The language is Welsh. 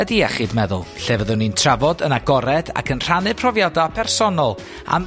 ydi iechyd meddwl, lle fyddwn ni'n trafod yn agored ac yn rhannu profiada' personol am